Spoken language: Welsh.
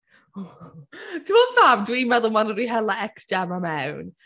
O, ti’n gwybod pam dwi’n meddwl maen nhw 'di hela ex Gemma mewn?